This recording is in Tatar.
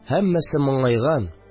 Һәммәсе моңайган